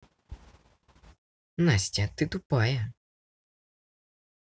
настя ты тупая